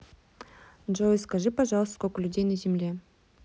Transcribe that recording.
джой скажи пожалуйста сколько людей на земле